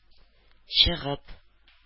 Чыгып